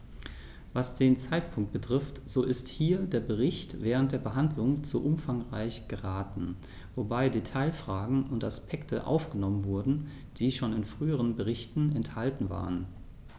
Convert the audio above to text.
Was den Zeitpunkt betrifft, so ist hier der Bericht während der Behandlung zu umfangreich geraten, wobei Detailfragen und Aspekte aufgenommen wurden, die schon in früheren Berichten enthalten waren.